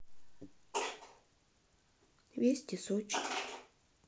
вести сочи